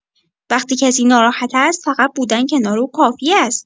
وقتی کسی ناراحت است فقط بودن کنار او کافی است.